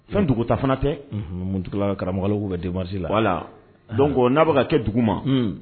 Fɛn duguta fana tɛ muntigila karamɔgɔw bɛ densi la wala don ko n'a bɛ ka kɛ dugu ma